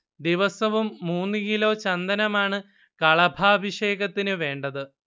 ദിവസവും മൂന്ന് കിലോ ചന്ദനമാണ് കളഭാഭിഷേകത്തിനു വേണ്ടത്